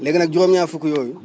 léegi nag juróom-ñaar fukk yooyu